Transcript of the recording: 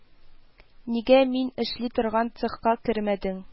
Нигә мин эшли торган цехка кермәдең